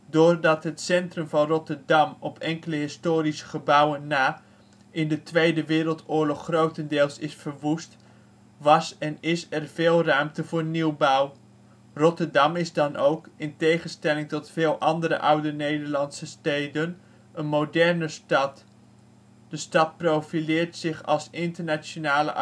Doordat het centrum van Rotterdam op enkele historische gebouwen na in de Tweede Wereldoorlog grotendeels is verwoest, was en is er veel ruimte voor nieuwbouw. Rotterdam is dan ook, in tegenstelling tot veel andere oude Nederlandse steden, een moderne stad. De stad profileert zich als internationale